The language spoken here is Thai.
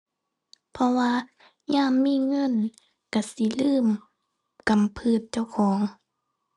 เพราะว่ายามมีเงินก็สิลืมกำพืดเจ้าของ